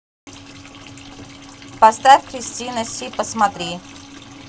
поставь кристина си посмотри